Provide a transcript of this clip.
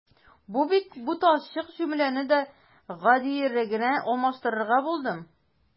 Бу бик буталчык җөмләне дә гадиерәгенә алмаштырырга булдым.